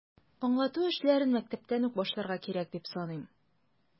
Аңлату эшләрен мәктәптән үк башларга кирәк, дип саныйм.